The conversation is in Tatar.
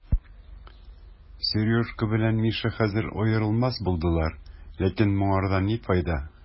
Сережка белән Миша хәзер аерылмас булдылар, ләкин моңардан ни файда?